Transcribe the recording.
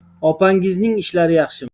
opangizning ishlari yaxshimi